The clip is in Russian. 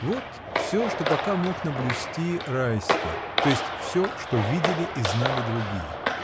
Вот всё, что пока мог наблюсти Райский, то есть всё, что видели и знали и другие.